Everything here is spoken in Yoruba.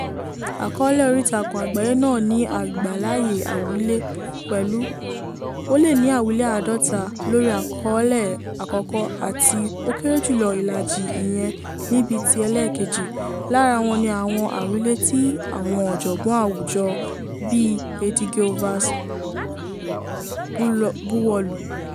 Àkọ́ọ́lẹ̀ orí ìtàkùn àgbáyé náà ní ìgbàláàyé àwílé, pẹ̀lú ó lé ní àwílé 50 lórí àkọ́ọ́lẹ̀ àkọ́kọ́ àti ó kéré jùlọ ìlàjì ìyẹn níbi ti elẹ́ẹ̀kejì, lára wọn ni àwọn àwílé tí àwọn ọ̀jọ̀gbọ́n àwùjọ bíi Edigio Vaz buwọ́lù [pt].